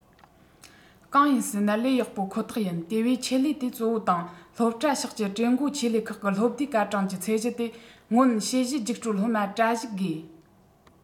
གང ཡིན ཟེར ན ལས ཡག པོ ཁོ ཐག ཡིན དེ བས ཆེད ལས དེ གཙོ བོ དང སློབ གྲྭ ཕྱོགས ཀྱི གྲོས འགོ ཆེད ལས ཁག གི སློབ བསྡུའི སྐར གྲངས ཀྱི ཚད གཞི དེ སྔོན དཔྱད གཞི རྒྱུགས སྤྲོད སློབ མ དྲ ཞུགས དགོས